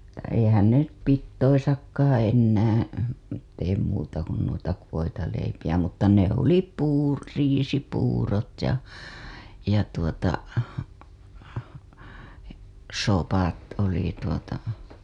- eihän ne nyt pidoissakaan enää tee muuta kuin noita voitaleipiä mutta ne oli - riisipuurot ja ja tuota sopat oli tuota